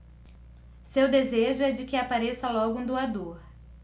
seu desejo é de que apareça logo um doador